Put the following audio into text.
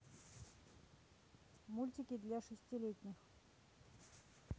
мультики для шестилетних